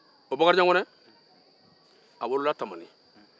ɔɔ bakarijan kɔnɛ a wolola tamani